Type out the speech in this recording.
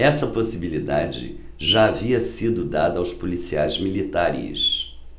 essa possibilidade já havia sido dada aos policiais militares